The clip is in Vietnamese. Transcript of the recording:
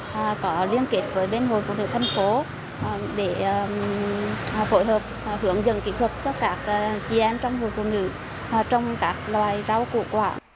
có liên kết với bên người phụ nữ thành phố để phối hợp hướng dẫn kỹ thuật cho các chị em trong hội phụ nữ trồng các loại rau củ quả